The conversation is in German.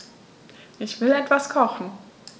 Ich will etwas kochen.